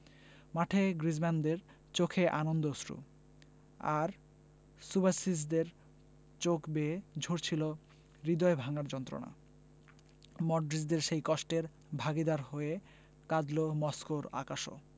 মাঠে গ্রিজমানদের চোখে আনন্দ অশ্রু আর সুবাসিচদের চোখ বেয়ে ঝরছিল হৃদয় ভাঙার যন্ত্রণা মডরিচদের সেই কষ্টের ভাগিদার হয়ে কাঁদল মস্কোর আকাশও